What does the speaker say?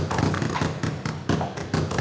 úi dời